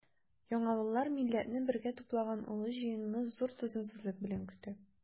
Яңавыллар милләтне бергә туплаган олы җыенны зур түземсезлек белән көтә.